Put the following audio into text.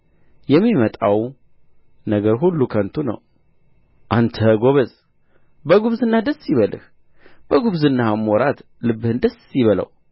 የሚመጣው ነገር ሁሉ ከንቱ ነው አንተ ጐበዝ በጕብዝናህ ደስ ይበልህ በጕብዝናህም ወራት ልብህን ደስ ይበለው